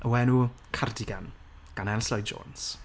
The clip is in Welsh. o enw, 'Cardigan', gan Ellis Lloyd Jones.